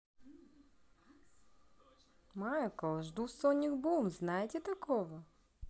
майкл жду sonic boom знаете такого